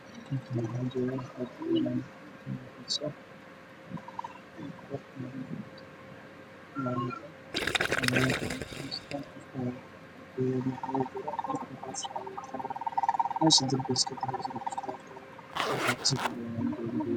Waa askar boolis ah oo garoon joogo